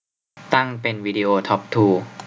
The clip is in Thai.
ตั้งเป็นวิดีโอทอปทู